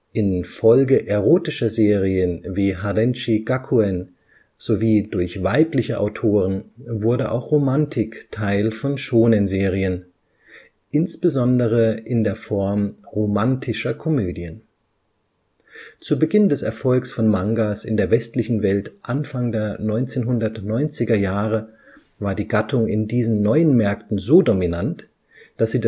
In Folge erotischer Serien wie Harenchi Gakuen sowie durch weibliche Autoren wurde auch Romantik Teil von Shōnen-Serien, insbesondere in der Form romantischer Komödien. Zu Beginn des Erfolgs von Mangas in der westlichen Welt Anfang der 1990er Jahre war die Gattung in diesen neuen Märkten so dominant, dass sie